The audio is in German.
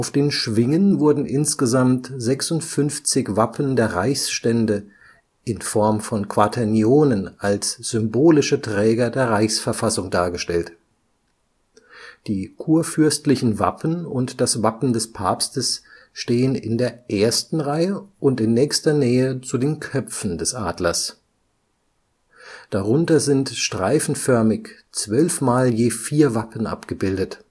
den Schwingen wurden insgesamt 56 Wappen der Reichsstände in Form von Quaternionen als symbolische Träger der Reichsverfassung dargestellt. Die kurfürstlichen Wappen und das Wappen des Papstes stehen in der ersten Reihe und in nächster Nähe zu den Köpfen des Adlers. Darunter sind streifenförmig zwölfmal je vier Wappen abgebildet